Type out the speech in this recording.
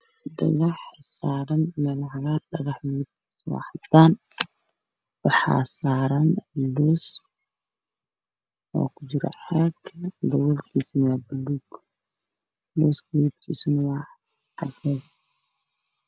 Meeshaan waxaa yaalo labo gasac oo gudaha ay yihiin daahir kornay gulug ay tahay